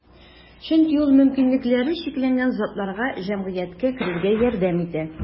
Чөнки ул мөмкинлекләре чикләнгән затларга җәмгыятькә керергә ярдәм итә.